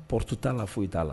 Ptu t'a la foyi t'a la